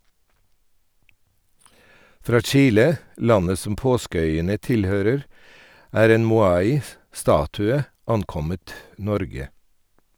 Fra Chile , landet som Påskeøyene tilhører, er en Moai statue ankommet Norge.